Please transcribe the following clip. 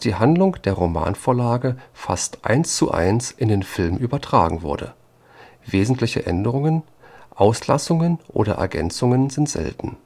Handlung der Romanvorlage fast eins zu eins in den Film übertragen wurde; wesentliche Änderungen, Auslassungen oder Ergänzungen sind selten